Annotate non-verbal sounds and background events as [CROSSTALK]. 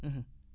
[HESITATION] [HESITATION]